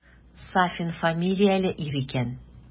Сафин фамилияле ир икән.